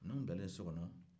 minɛnw bilalen so kɔnɔ